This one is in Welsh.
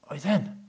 Oedden.